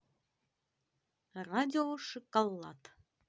радио шоколад